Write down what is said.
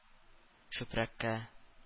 Чүпрәккә